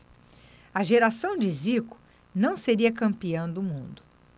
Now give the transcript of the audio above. a geração de zico não seria campeã do mundo